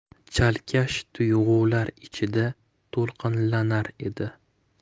chalkash tuyg'ular ichida to'lqinlanar edi